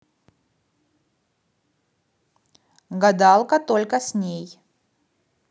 гадалка только с ней